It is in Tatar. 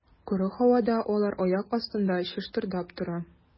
Коры һавада алар аяк астында чыштырдап тора.